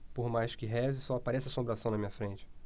por mais que reze só aparece assombração na minha frente